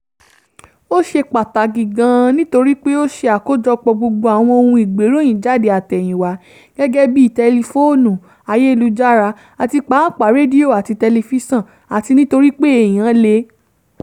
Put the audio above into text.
Ó ṣe pàtàkì gan-an nítorí pé ó ṣe àkójọpọ̀ gbogbo àwọn ohun ìgbéròyìnjáde àtẹ̀yìnwá, gẹ́gẹ́ bíi tẹlifóònù, ayélujára, àti pàápàá rédíò àti telifísàn, àti nítorípé èèyàn le: 1.